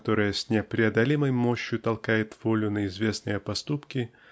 которая с непреодолимой мощью толкает волю на известные поступки